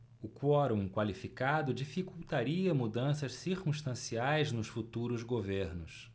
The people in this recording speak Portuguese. o quorum qualificado dificultaria mudanças circunstanciais nos futuros governos